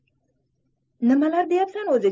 nimalar deyapsan o'zi